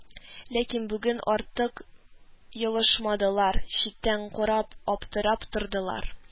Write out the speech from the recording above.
Ләкин бүген артык елышмадылар, читтән карап аптырап тордылар